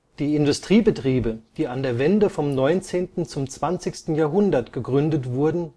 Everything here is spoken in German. Die Industriebetriebe, die an der Wende vom 19. zum 20. Jahrhundert gegründet wurden